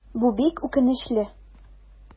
Бу бик үкенечле.